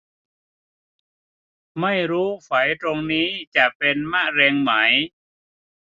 ไม่รู้ไฝตรงนี้จะเป็นมะเร็งไหม